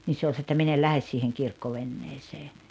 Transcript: niin se oli sanonut että minä en lähde siihen kirkkoveneeseen